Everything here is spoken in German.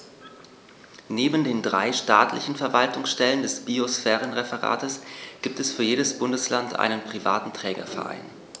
Neben den drei staatlichen Verwaltungsstellen des Biosphärenreservates gibt es für jedes Bundesland einen privaten Trägerverein.